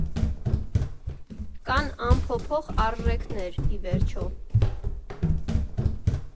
Կան անփոփոխ արժեքներ, ի վերջո։